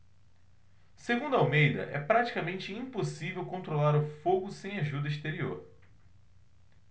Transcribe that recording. segundo almeida é praticamente impossível controlar o fogo sem ajuda exterior